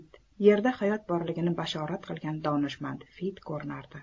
yerda hayot borligini bashorat qilgan donishmand fid ko'rinadi